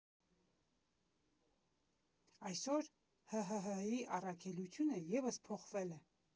Այսօր ՀՀՀ֊ի առաքելությունը ևս փոխվել է։